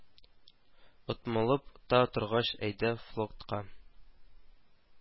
Отмылып та торгач, әйдә флотка